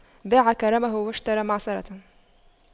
باع كرمه واشترى معصرة